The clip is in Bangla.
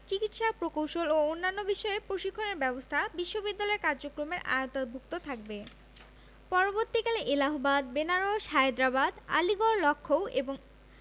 চিকিৎসা প্রকৌশল ও অন্যান্য বিষয়ে প্রশিক্ষণের ব্যবস্থা বিশ্ববিদ্যালয়ের কার্যক্রমের আওতাভুক্ত থাকবে পরবর্তীকালে এলাহাবাদ বেনারস হায়দ্রাবাদ আলীগড় লক্ষ্ণৌ এবং